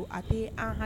A tɛ an